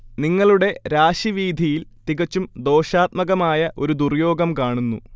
നിങ്ങളുടെ രാശിവീഥിയിൽ തികച്ചും ദോഷാത്മകമായ ഒരു ദുർയോഗം കാണുന്നു